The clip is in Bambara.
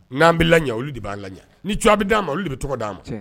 N'an bɛ la ɲɛ olu de b'a la ɲɛ ni c bɛ dia ma olu de bɛ tɔgɔ d'a ma